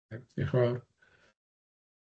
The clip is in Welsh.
. Diolch y' fawr.